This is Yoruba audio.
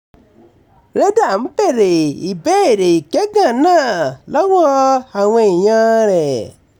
Reyder ń béèrè ìbéèrè ìkẹ́gàn náà lọ́wọ́ àwọn èèyàn-an rẹ̀.